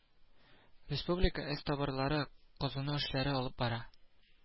Республика эзтабарлары казыну эшләре алып бара